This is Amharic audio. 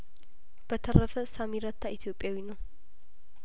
በተረፈ ሳሚ ረታ ኢትዮጵያዊ ነው